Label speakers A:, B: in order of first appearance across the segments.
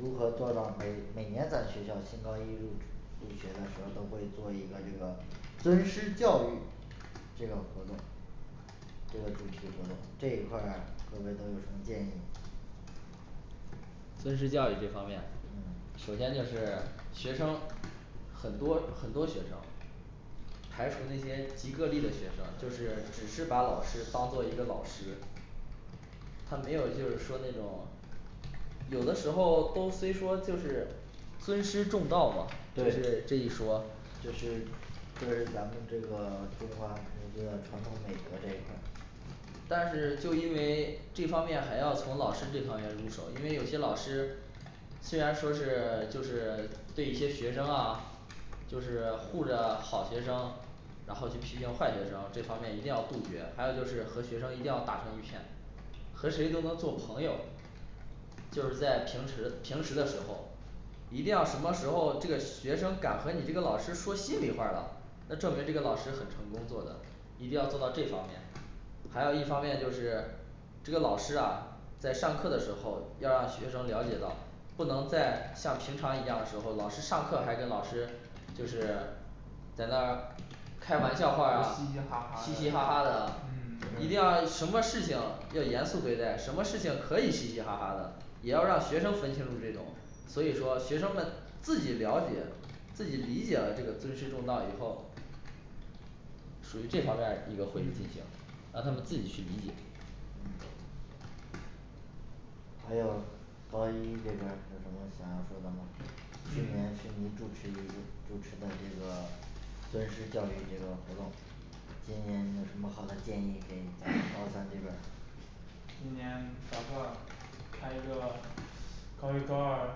A: 如何做到每每年咱学校新高一入入学的时候都会做一个这个尊师教育这个活动这个主题活动这一块儿各位都有什么建议
B: 尊师教育这方面
A: 嗯
B: 首先就是学生很多很多学生排除那些极个例的学生就是只是把老师当做一个老师他没有就是说那种有的时候都虽说就是尊师重道嘛
A: 对
B: 就是这一
A: 这
B: 说
A: 是对咱们这个中华民族的传统美德这一块儿
B: 但是就因为这方面还要从老师这方面入手因为有些老师虽然说是 就是对一些学生啊就是 护着好学生然后去批评坏学生这方面一定要杜绝还有就是和学生一定要打成一片和谁都能做朋友就是在平时平时的时候一定要什么时候这个学生敢和你这个老师说心里话儿了那证明这个老师很成功做的一定要做到这方面还有一方面就是这个老师啊在上课的时候要让学生了解到不能再像平常一样的时候老师上课还跟老师就是在那儿开玩笑话儿啊嘻
C: 嘻
B: 嘻
C: 嘻
B: 哈
C: 哈
B: 哈
C: 哈
B: 的
C: 的
B: 一定要
D: 嗯
B: 什么事情要严肃对待什么事情可以嘻嘻哈哈的也要让学生分清楚这种所以说学生们自己了解，自己理解了这个尊师重道以后属于这方面儿一个会议进行让
D: 嗯
B: 他们自己去理解
A: 还有高一这边儿有什么想要说的吗去年是
D: 嗯
A: 你主持主持的这个尊师教育这个活动今年有什么好的建议给高三这边儿
D: 今年打算开个高一高二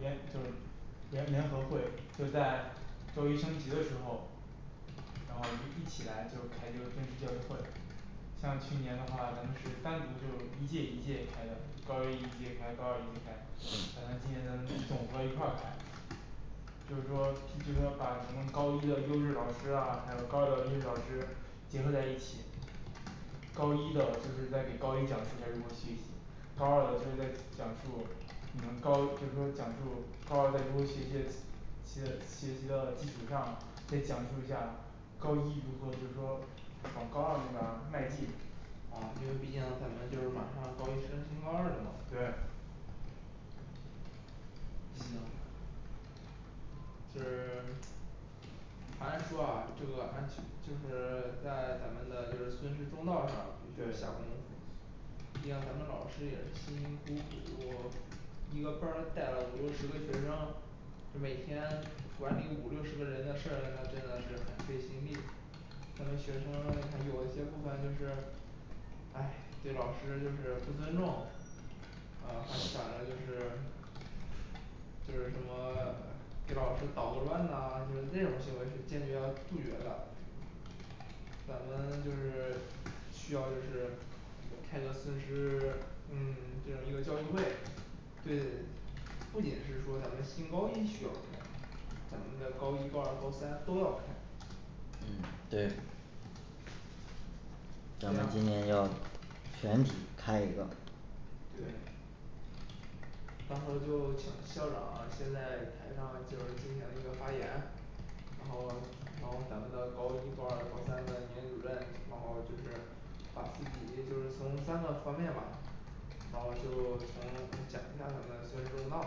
D: 联就是联联合会就在周一升旗的时候然后一一起来就开这个尊师教育会像去年的话咱们是单独就是一届一届开的高一一届开高二一届开那咱今年咱们总合一块儿开就是说就是说把咱们高一的优质老师啊还有高二的优质老师结合在一起高一的就是在给高一讲述他如何学习高二的就是在讲述你们高就是说讲述高二在如何学习的学学习的基础上再讲述一下高一如何就是说往高二那边儿迈进
C: 好因为毕竟咱们就是马上高一升新高二了嘛
D: 对
C: 行
D: 嗯
C: 就是 还是说啊这个安其 就是在咱们的就是尊师重道上必须得下功夫
D: 对
C: 毕竟咱们老师也是辛辛苦苦一个班儿带了五六十个学生这每天管理五六十个人的事儿那真的是很费心力可能学生还有一些部分就是唉对老师就是不尊重嗯还想着就是就是什么给老师捣个乱呐就是那种行为是坚决要杜绝的咱们就是需要就是开个尊师 嗯这样一个教育会对不仅是说咱们新高一需要开咱们的高一高二高三都要开
A: 嗯对
C: 对
A: 咱们今年要
C: 啊
A: 全体开一个
C: 对到时候儿就请校长先在台上就是进行一个发言然后然后咱们的高一高二高三的年级主任然后就是把自己也就是从三个方面吧然后就从讲一下咱们的尊师重道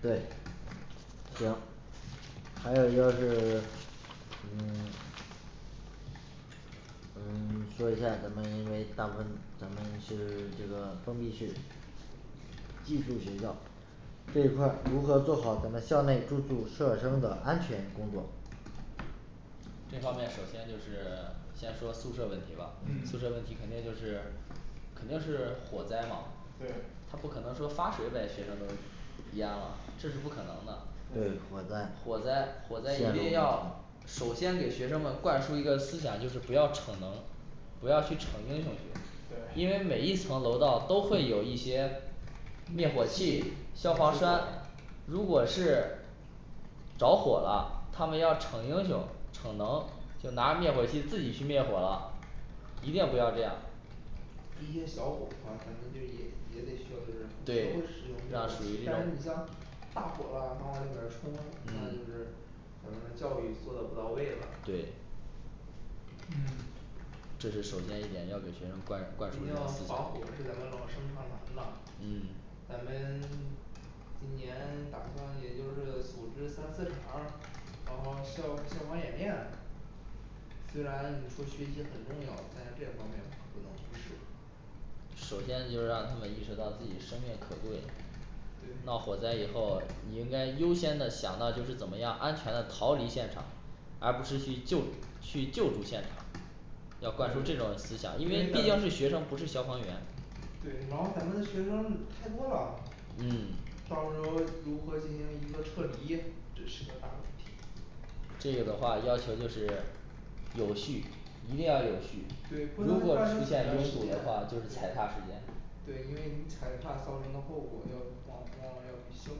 A: 对行还有就是 嗯 嗯 说一下儿咱们因为大部分咱们是这个封闭式寄宿学校这一块儿如何做好咱们校内住宿设施的安全工作
B: 这方面首先就是先说宿舍问题吧宿舍问
C: 嗯
B: 题肯定就是肯定是火灾嘛他
D: 对
B: 不可能说发水把学生都淹了这是不可能的
A: 对
B: 火
A: 火灾
B: 灾火灾一定要首先给学生们灌输一个思想就是不要逞能不要去逞英雄去因为每
D: 对
B: 一层楼道都会有一些灭火器消防栓如果是着火了他们要逞英雄逞能就拿灭火器自己去灭火了，一定不要这样
C: 一些小火的话咱们就也也得需要就是会使
B: 对
C: 用但是你像大火了还往那边儿冲那就是
B: 嗯
C: 咱们的教育做得不到位了
B: 对
D: 嗯
B: 这是首先一点要给学生灌
C: 毕竟防
B: 灌输一下思想
C: 火是咱们老生常谈啦
B: 嗯
C: 咱们 今年打算也就是组织三四场儿然后消消防演练虽然你说学习很重要但是这方面不能忽视
B: 首先就让他们意识到自己生命可贵闹
C: 对
B: 火灾以后你应该优先的想到就是怎么样安全的逃离现场而不是去救去救助现场要灌输这种
C: 对
B: 思想因为毕竟是学生不是消防员
C: 对然后咱们的学生太多了
B: 嗯
C: 到时候儿如何进行一个撤离这是个大问题
B: 这个的话要求就是有序一定要有序
C: 对不
B: 如
C: 能
B: 果
C: 发
B: 出
C: 生踩踏
B: 现拥
C: 事
B: 堵的话就是踩
C: 件
B: 踏事件
C: 对因为你踩踏造成的后果要往往往要比消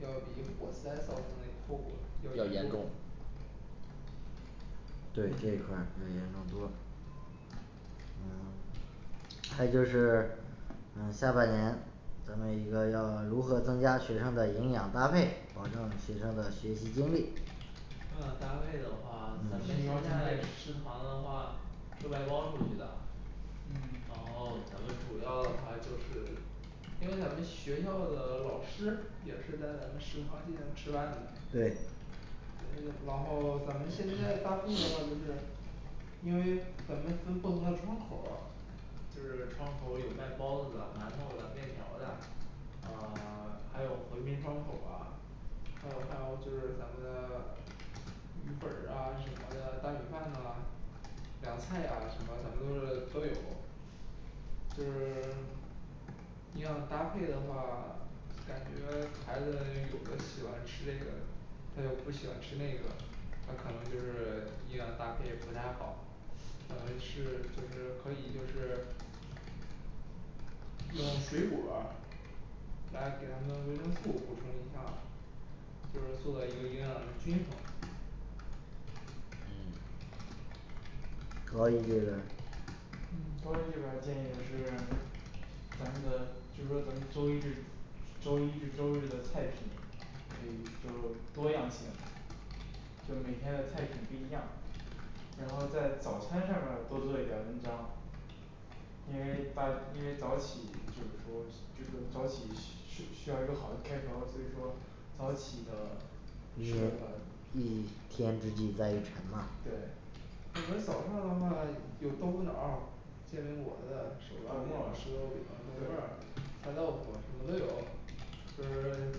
C: 要比火灾造成的后果
B: 要
C: 要
B: 严
C: 严
B: 重
C: 重
A: 对这一块儿
D: 嗯
A: 要严重多嗯 还就是嗯下半年咱们一个要如何增加学生的营养搭配保证学生的学习精力
C: 营养搭配的话咱们现在食堂的话是外包出去的嗯然后咱们主要的话就是因为咱们学校的老师也是在咱们食堂进行吃饭的
A: 对
C: 嗯然后咱们现在搭配的话就是因为咱们分不同的窗口儿就是窗口儿有卖包子的馒头的面条儿的嗯 还有回民窗口儿啊还有还有就是咱们的米粉儿啊什么的大米饭呐凉菜呀什么咱们都是都有就是 营养搭配的话 感觉孩子有的喜欢吃这个他就不喜欢吃那个他可能就是营养搭配不太好咱们是就是可以就是用水果儿来给他们维生素补充一下儿就是做到一个营养的均衡
A: 嗯高一这边儿
D: 嗯高一这边儿建议的是 咱们的就说咱们周一至周一至周日的菜品可以就是多样性就每天的菜品不一样然后在早餐上面儿多做一点儿文章因为大因为早起就是说就是说早起需 需要一个好的开头儿所以说早起的
A: 一一天之计在于晨嘛
C: 对咱们早上的话有豆腐脑儿煎饼果子手抓饼
D: 豆沫
C: 石头饼
D: 儿
C: 豆沫儿菜豆腐什么都有就是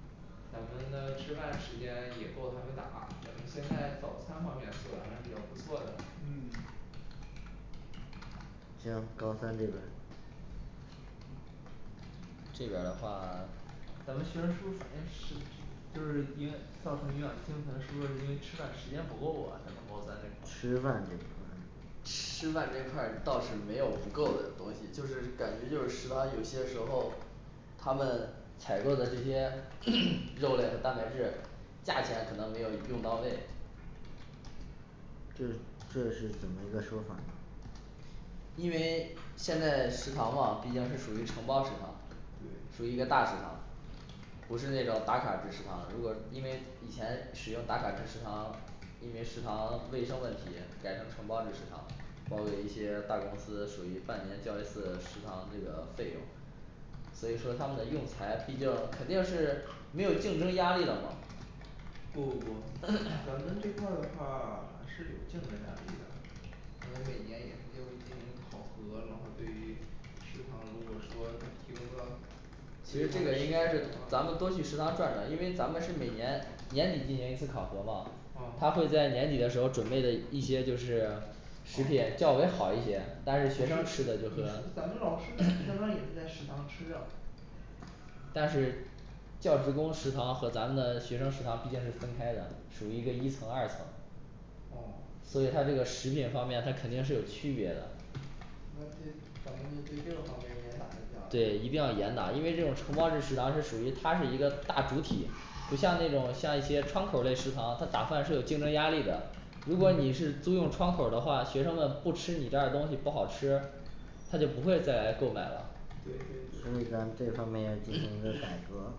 C: 咱们的吃饭时间也够他们打咱们现在早餐方面做的还是比较不错的
D: 嗯
A: 现在高三这边儿
B: 这边儿的话
C: 咱们学生是不是反应是就就是因为造成营养精神是不是因为吃饭时间不够呀咱们高三
A: 吃
C: 这块儿
A: 饭这块儿
B: 吃饭这块儿倒是没有不够的东西就是感觉就是食堂有些时候
C: 他们采购的这些 肉类蛋白质价钱可能没有用到位
A: 这这是怎么一个说法呢
B: 因为现在食堂嘛毕竟是属于承包食堂属
C: 对
B: 于一个大食堂不是那种打卡制食堂如果因为以前使用打卡制食堂因为食堂卫生问题改成承包制食堂了包给一些大公司属于半年交一次食堂那个费用所以说他们的用材毕竟肯定是没有竞争压力的嘛
C: 不不不 咱们这块儿的话还是有竞争压力的咱们每年也是因为进行考核然后对于食堂如果说他提供了
B: 其实这个应该是咱们多去食堂转转因为咱们是每年年底进行一次考核嘛
C: 啊
B: 他会在年底的时候准备的一些就是食品较为好一些但是学生吃的就和
C: 咱们老师 平常也是在食堂吃啊
B: 但是教职工食堂和咱们的学生食堂毕竟是分开的属于一个一层二层
C: 嗯
B: 所以它这个食品方面它肯定是有区别的
C: 那这咱们就对这个方面
B: 对一定要
C: 严打一下
B: 严打因为这种承包式食堂是属于它是一个大主体不像那种像一些窗口儿类食堂它打饭是有竞争压力的如果你是租用窗口儿的话学生们不吃你这儿的东西不好吃他就不会再来购买了
C: 对对
A: 所以咱这
C: 对
A: 方面要进行一个改革。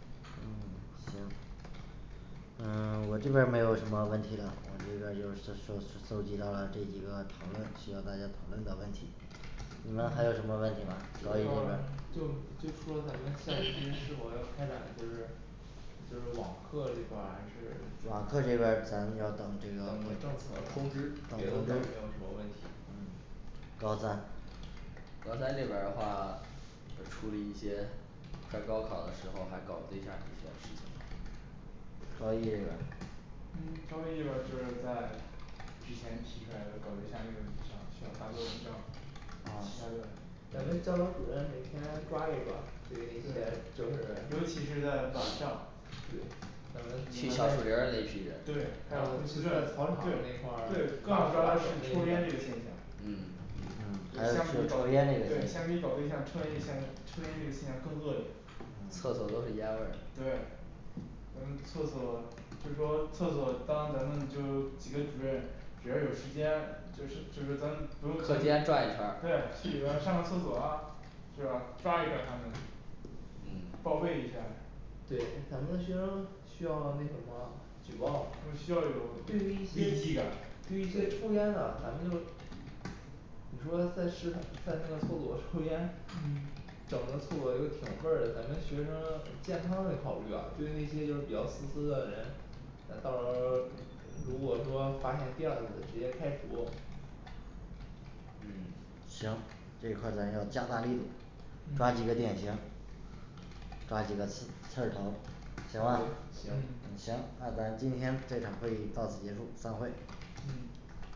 A: 嗯行嗯 我这边儿没有什么问题了我这边儿就是搜搜集到了这几个讨论需要大家讨论的问题你们还有什么问题吗高一这边儿
C: 就就说咱们下学期是否要开展就是就是网课这块儿
A: 网课
C: 还
A: 这边
C: 是
A: 儿咱
C: 等
A: 们要
C: 政
A: 等这
C: 策
A: 个
C: 了别的
A: 通
C: 倒
A: 知
C: 没有什么问题
A: 高三
B: 高三这边儿的话就出了一些快高考儿的时候还搞对象儿这些事情吧
A: 高一这边儿
D: 嗯 高一这边就是在之前提出来的搞对象这个问题上需要达到目标
A: 啊其他的
C: 咱们教导主任每天抓一抓对那些就
D: 尤其
C: 是
D: 是在晚上
C: 对咱
B: 去
C: 们
B: 小树林儿
C: 还
B: 那一批人
C: 有
D: 对对对
C: 在操场那块儿
D: 抽
A: 嗯还有抽
D: 烟
A: 烟
D: 这
A: 这
D: 个现
A: 个问题
D: 象对相对于找对象抽烟这个现象抽烟这个现象更恶劣
B: 厕所都是
A: 嗯
B: 烟味儿
D: 对咱们厕所就说厕所当咱们就几个主任只要有时间就是就是咱们不用对
B: 课间转一圈儿
D: 去里面儿上个厕所啊是吧抓一抓他们报
A: 嗯
D: 备一下儿
C: 对咱们的学生需要那
B: 举
C: 什
B: 报
C: 么
D: 他们需要有
C: 对于一
D: 危机
C: 些
D: 感
C: 对于一些抽烟的咱们就你说在食堂 在那个厕所抽烟整个
D: 嗯
C: 厕所又挺味儿咱们学生健康得考虑啊对那些就是比较自私的人咱到时候 如果说发现第二次直接开除
A: 嗯行这一块咱要加大力度抓几个典型抓几个刺刺儿头行吧
B: 对
A: 行
B: 行
D: 嗯
A: 那咱今天这场会议到此结束散会
D: 嗯